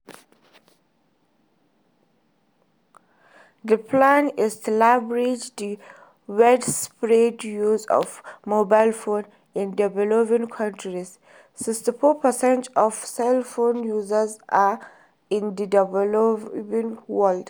The plan is to leverage the widespread use of mobile phones in developing countries – 64 percent of cell phone users are in the developing world.